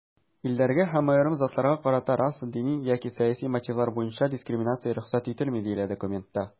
"илләргә һәм аерым затларга карата раса, дини яки сәяси мотивлар буенча дискриминация рөхсәт ителми", - диелә документта.